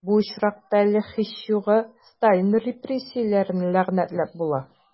Бу очракта әле, һич югы, Сталин репрессияләрен ләгънәтләп була...